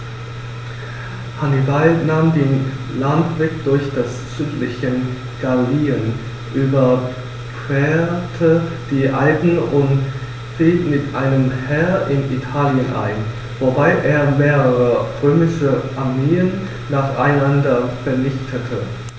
Hannibal nahm den Landweg durch das südliche Gallien, überquerte die Alpen und fiel mit einem Heer in Italien ein, wobei er mehrere römische Armeen nacheinander vernichtete.